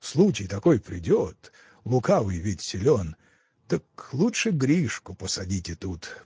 случай такой придет – лукавый ведь силен – так лучше Гришку посадите тут